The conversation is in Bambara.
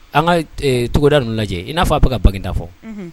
An ka cogoda ninnu lajɛ i n'a fɔ a bɛ ka banta fɔ